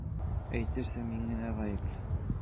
Әйтерсең мин генә гаепле!